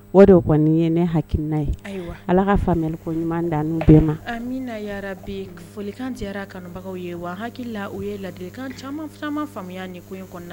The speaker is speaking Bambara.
O de kɔni ye ne hakili na ye ayiwa Ala ka faamuya ko ɲuman d'an n'u bɛɛ ma amina yaa rabi folikan diyara kanubagaw ye wa n hakili la u ye ladilikan caman caman faamuyaya nin ko in na